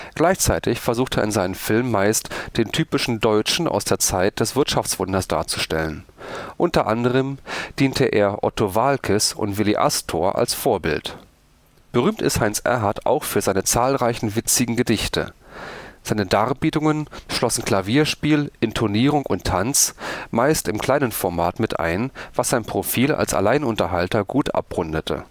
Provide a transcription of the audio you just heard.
Gleichzeitig versuchte er in seinen Filmen meist, den typischen Deutschen aus der Zeit des Wirtschaftswunders darzustellen. Unter anderem diente er Otto Waalkes und Willy Astor als Vorbild. Berühmt ist Heinz Erhardt auch für seine zahlreichen witzigen Gedichte. Seine Darbietungen schlossen Klavierspiel, Intonierung und Tanz, meist im kleinen Format, mit ein, was sein Profil als Alleinunterhalter gut abrundete